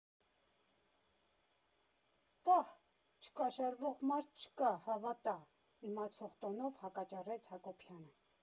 Պա՜հ, չկաշառվող մարդ չկա, հավատա, ֊ իմացող տոնով հակաճառեց Հակոբյանը։